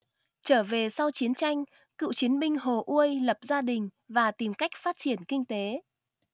trở về sau chiến tranh cựu chiến binh hồ uôi lập gia đình và tìm cách phát triển kinh tế